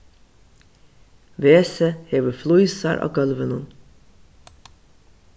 vesið hevur flísar á gólvinum